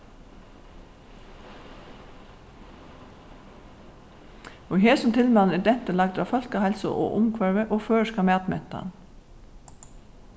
í hesum tilmælum er dentur lagdur á fólkaheilsu og umhvørvi og føroyska matmentan